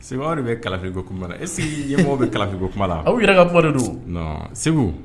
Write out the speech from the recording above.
Seku aw de bɛ kalafliko kuma na est ce que ɲɛmɔgɔ bɛ kalafiliko kuma la, a u yɛrɛ ka kuma de don, non Seku